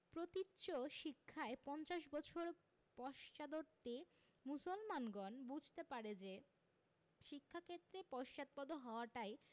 প্রতীচ্য শিক্ষায় পঞ্চাশ বছর পশ্চাদ্বর্তী মুসলমানগণ বুঝতে পারে যে শিক্ষাক্ষেত্রে পশ্চাৎপদ হওয়াটাই